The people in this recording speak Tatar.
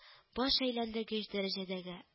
Баш әйләндергеч дәрәҗәдәге